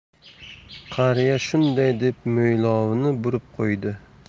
qariya shunday deb mo'ylovini burab qo'ydi